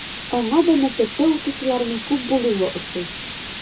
Аңа да мәктәптә укучыларның күп булуы ошый.